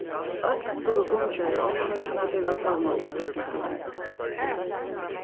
øll skulu kunngera orsøkina til at savna upplýsingarnar